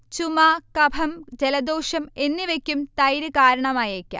ചുമ, കഫം, ജലദോഷം എന്നിവയ്ക്കും തൈര് കാരണമായേക്കാം